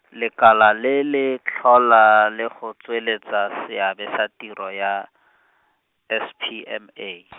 lekala le le tlhola le go tsweletsa seabe sa tiro ya, S P M A .